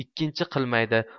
ikkinchi qilmaydi